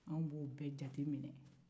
an b'o bɛɛ jateminɛ